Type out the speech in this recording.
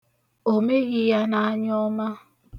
O meghị ya n'anyọọma.